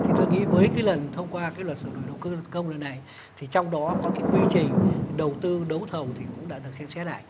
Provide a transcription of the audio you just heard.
thì tôi nghĩ với cái lần thông qua cái luật sửa đổi đầu cơ công lần này thì trong đó có cái quy trình đầu tư đấu thầu thì cũng đã được xem xét lại